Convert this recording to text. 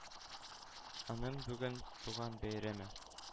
Аның бүген туган бәйрәме.